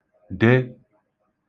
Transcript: de